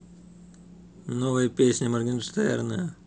новая песня моргенштерна